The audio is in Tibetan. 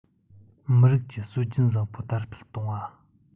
མི རིགས ཀྱི སྲོལ རྒྱུན བཟང པོ དར སྤེལ གཏོང བ